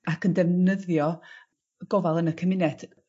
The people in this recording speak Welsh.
ac yn defnyddio y gofal yn y cymuned